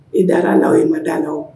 I da la o i ma da la